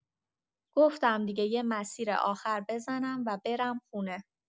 گفتم دیگه یه مسیر آخر بزنم و برم خونه.